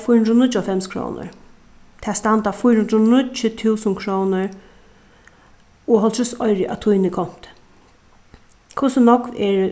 fýra hundrað og níggjuoghálvfems krónur tað standa fýra hundrað og níggju túsund krónur og hálvtrýss oyru á tíni kontu hvussu nógv eru